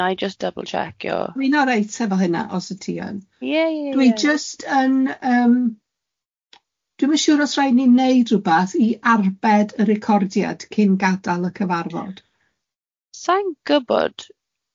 Wna i jyst double checkio. Wi'n olreit efo hynna os w ti yn? Ie ie ie. Dwi jyst yn yym dwi'm yn siŵr os rhaid i ni wneud rywbath i arbed y recordiad cyn gadael y cyfarfod. Sa i'n gwybod?